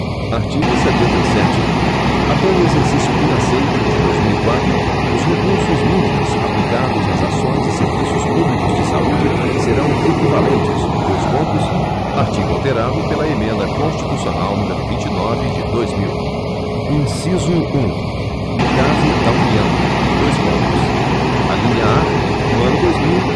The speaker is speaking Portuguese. artigo setenta e sete até o exercício financeiro de dois mil e quatro os recursos mínimos aplicados nas ações e serviços públicos de saúde serão equivalentes dois pontos artigo alterado pela emenda constitucional número vinte e nove de dois mil inciso um no caso da união dois pontos alínea a no ano dois mil